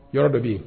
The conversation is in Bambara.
Yɔrɔ dɔbi